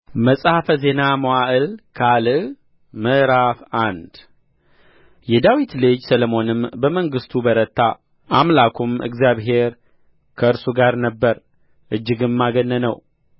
መጽሐፈ ዜና መዋዕል ካልዕ ምዕራፍ አንድ የዳዊት ልጅ ሰሎሞን በመንግሥቱ በረታ አምላኩም እግዚአብሔር ከእርሱ ጋር ነበረ እጅግም አገነነው